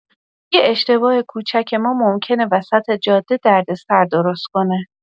یه اشتباه کوچک ما ممکنه وسط جاده دردسر درست کنه.